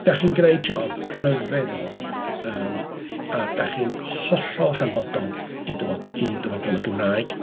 Dach chi'n gwneud job rhyfeddol, yym a dach chi'n hollol hanfodol i dyfodol, i dyfodol y Gymraeg.